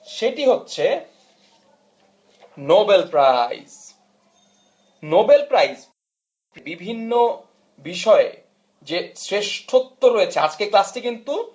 সেটি হচ্ছে Nobel prize Nobel prize বিভিন্ন বিষয়ে যে শ্রেষ্ঠত্ব রয়েছে আজকে ক্লাস টি কিন্তু